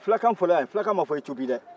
fulakan fɔra yan fulakan ma fɔ ecopi de